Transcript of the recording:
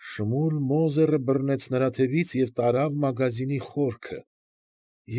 Շմուլ Մոզերը բռնեց նրա թևից և տարավ մագազինի խորքը։